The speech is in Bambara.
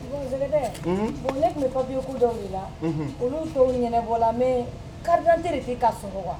Bon ne tun fɔ biye dɔ wili la olu sɔnbɔ la mɛ karite de se ka so wa